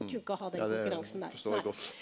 nei det forstår eg godt.